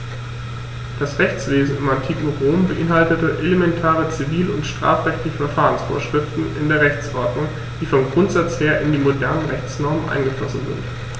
Das Rechtswesen im antiken Rom beinhaltete elementare zivil- und strafrechtliche Verfahrensvorschriften in der Rechtsordnung, die vom Grundsatz her in die modernen Rechtsnormen eingeflossen sind.